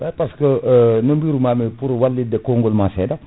par ce que no birumani pour wallide konngol ma seeɗa